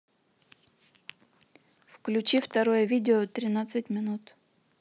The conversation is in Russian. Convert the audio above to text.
включи второе видео тринадцать минут